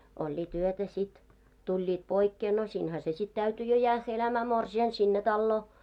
olivat yötä sitten tulivat poikkeen no siinähän se sitten täytyi jo jäädä elämään morsiamen sinne taloon